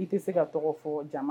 I tɛ se ka tɔgɔ fɔ jama